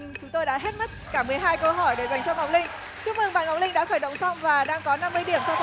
chúng tôi đã hết mất cả mười hai câu hỏi để dành cho ngọc linh chúc mừng bạn ngọc linh đã khởi động xong và đang có năm mươi điểm trong